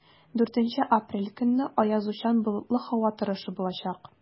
4 апрель көнне аязучан болытлы һава торышы булачак.